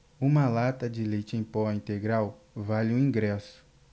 uma lata de leite em pó integral vale um ingresso